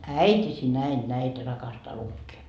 äitisi näin näitä rakastaa lukea